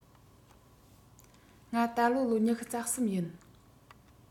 ང ད ལོ ལོ ཉི ཤུ རྩ གསུམ ཡིན